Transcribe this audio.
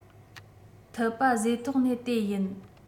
ཐུབ པ བཟོས ཐོག ནས ལྟས ཡིན